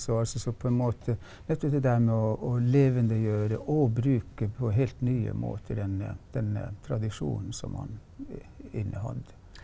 så altså så på en måte vet du det der med å levendegjøre og bruke på helt nye måter den den tradisjonen som han innehadde.